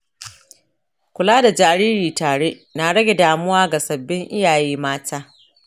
kula da jariri tare na rage damuwa ga sabbin iyaye mata.